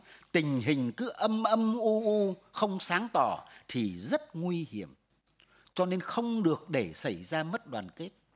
tình hình cứ âm âm u u không sáng tỏ thì rất nguy hiểm cho nên không được để xảy ra mất đoàn kết